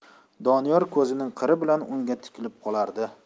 doniyor ko'zining qiri bilan unga tikilib qolardi